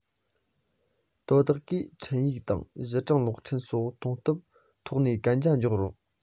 དོ བདག གིས འཕྲིན ཡིག དང གཞི གྲངས གློག འཕྲིན སོགས གཏོང སྟངས ཐོག ནས གན རྒྱ འཇོག རིགས